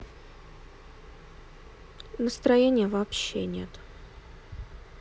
настроения вообще нет